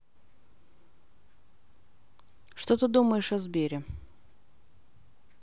что ты думаешь о сбере